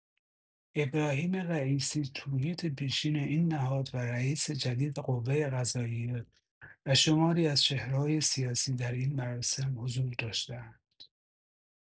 ابراهیم رئیسی تولیت پیشین این نهاد و رئیس جدید قوه‌قضائیه و شماری از چهره‌های سیاسی در این مراسم حضور داشته‌اند.